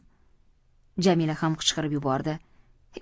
jamila ham qichqirib yubordi